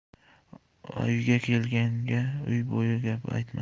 uyga kelganga uy bo'yi gap aytma